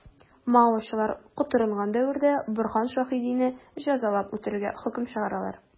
Маочылар котырынган дәвердә Борһан Шәһидине җәзалап үтерергә хөкем чыгаралар.